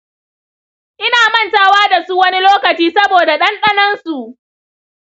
ina mantawa da su wani lokaci saboda ɗanɗanonsu.